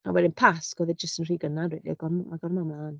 A wedyn pasg, oedd e jyst yn rhy gynnar, rili. A go- ma' gormod yn mynd mlaen.